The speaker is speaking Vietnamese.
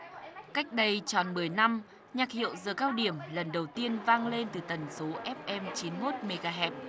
cách đây tròn mười năm nhạc hiệu giờ cao điểm lần đầu tiên vang lên từ tần số ép em chín mốt mề gà hẹp